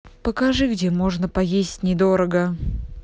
покажи где можно поесть недорого